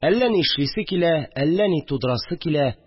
Әллә ни эшлисе килә, әллә ни тудырасы килә